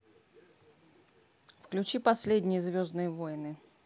включи последние звездные войны